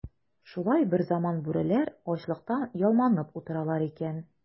Шулай берзаман бүреләр ачлыктан ялманып утыралар икән.